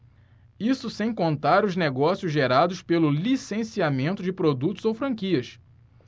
isso sem contar os negócios gerados pelo licenciamento de produtos ou franquias